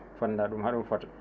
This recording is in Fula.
fonnda ɗum haaɗum foota